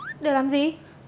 để làm gì